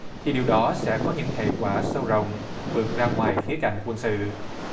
thì điều đó sẽ có những hệ quả sâu rộng vượt ra ngoài khía cạnh quân sự